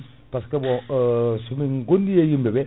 par ce bon somin gondi e yimɓeɓe